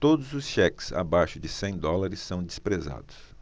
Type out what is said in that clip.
todos os cheques abaixo de cem dólares são desprezados